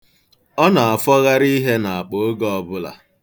Ọ na-afọgharị ihe n'akpa oge ọbụla.